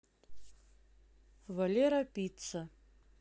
валера пицца